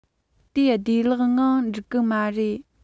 དེ བདེ ལག ངང འགྲུབ གི མ རེད